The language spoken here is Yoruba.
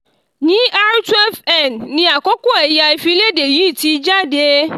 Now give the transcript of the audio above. Ní r12n ni àkọ́kọ́ ẹ̀yà ìfiléde yìí ti jáde